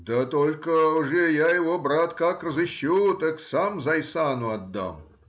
— Да только уже я его, брат, как разыщу, так сам зайсану отдам.